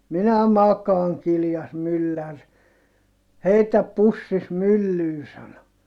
minä makaan kiljaisi mylläri heitä pussisi myllyyn sanoi